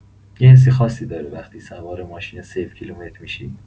یه حس خاصی داره وقتی سوار ماشین صفرکیلومتر می‌شی.